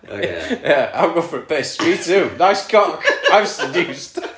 o ia... "yeah I'm going for a piss" "me too" "nice cock I'm seduced"